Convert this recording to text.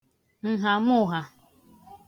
ǹhàmụhà